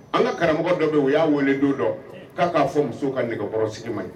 An ka karamɔgɔ dɔ bɛ o y'a weele don dɔ k'a k'a fɔ musow ka nɛgɛkɔrɔ sigi ma ye